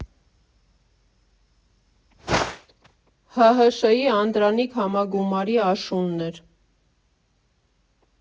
ՀՀՇ֊ի անդրանիկ համագումարի աշունն էր։